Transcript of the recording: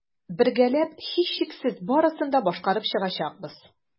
Бергәләп, һичшиксез, барысын да башкарып чыгачакбыз.